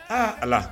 Ha ala